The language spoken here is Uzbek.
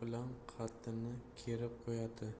bilan qaddini kerib qo'yadi